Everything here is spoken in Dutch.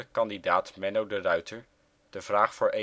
kandidaat Menno de Ruijter de vraag voor